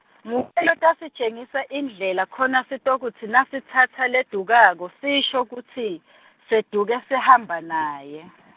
ng- lotasitjengisa indlela khona sitsotsi nasitsatsa ledukako, sisho kutsi , seduke sihamba naye .